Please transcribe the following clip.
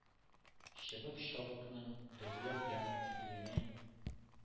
Чыбык-чабыкның дөрләп янып китүенә